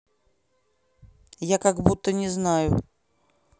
я как будто не знаю